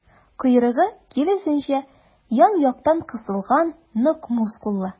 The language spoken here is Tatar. Койрыгы, киресенчә, ян-яктан кысылган, нык мускуллы.